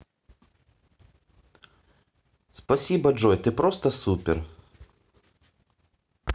спасибо джой ты просто супер